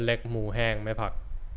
เส้นเล็กหมูแห้งไม่ผัก